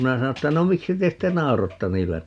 minä sanoin että no miksi te sitten nauroitte niillä